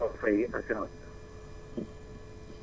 nga fay assurance